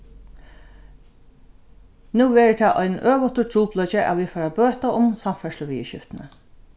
nú verður tað ein øvutur trupulleiki at vit fara at bøta um samferðsluviðurskiftini